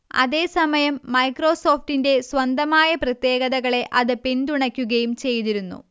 അതേസമയം മൈക്രോസോഫ്റ്റിന്റെ സ്വന്തമായ പ്രത്യേകതകളെ അത് പിന്തുണക്കുകയും ചെയ്തിരുന്നു